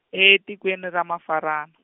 e tikweni ra Mafarana.